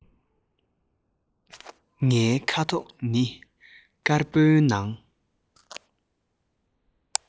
ངའི ཁ དོག ནི དཀར པོའི ནང